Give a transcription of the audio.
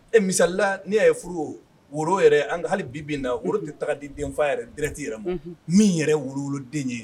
Ɛ misala n'i y'a ye furu woro yɛrɛ an ka hali bibi na woro de taga di denfa yɛrɛ dɛrɛti yɛrɛ ma min yɛrɛ worooloden ye